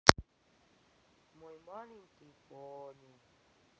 мой маленький пони